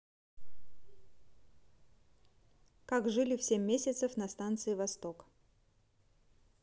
как жили в семь месяцев на станции восток